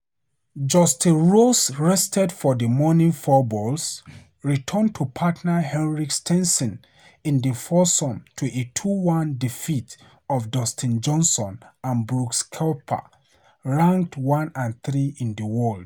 Justin Rose, rested for the morning fourballs, returned to partner Henrik Stenson in the foursomes to a 2&1 defeat of Dustin Johnson and Brooks Koepka - ranked one and three in the world.